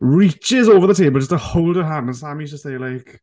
reaches over the table, just to hold her hand, and Sammy's just there like...